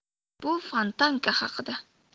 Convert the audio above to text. bu fontanka haqida